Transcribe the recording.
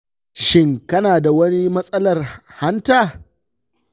shin kana da wani matsalar hanta?